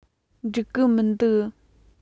འགྲིག གི མི འདུག